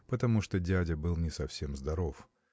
потому что дядя был не совсем здоров.